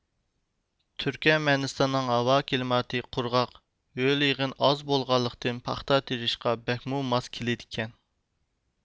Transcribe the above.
تۈركمەنىستاننىڭ ھاۋا كىلىماتى قۇرغاق ھۆل يېغىنى ئاز بولغانلىقتىن پاختا تېرىشقا بەكمۇ ماس كېلىدىكەن